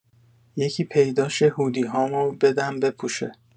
یکی پیدا شه هودی هامو بدم بپوشه